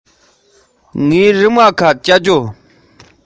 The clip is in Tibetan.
ངེད གཉིས མུ མཐུད དུ